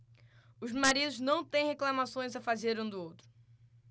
os maridos não têm reclamações a fazer um do outro